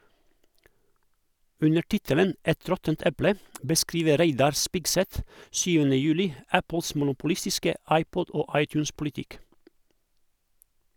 Under tittelen «Et råttent eple» beskriver Reidar Spigseth 7. juli Apples monopolistiske iPod- og iTunes-politikk.